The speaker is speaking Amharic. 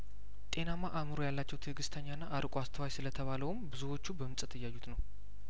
ጤናማ አእምሮ ያላቸው ትእግስተኛና አርቆ አስተዋይ ስለተባለውም ብዙዎቹ በምጸት እያዩት ነው